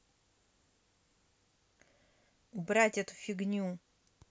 убрать эту фигню